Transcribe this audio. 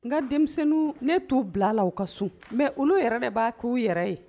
n ka denmisɛnninw n t'u bila a la u ka sun mɛ olu yɛrɛ de b'a kɛ u yɛrɛ ye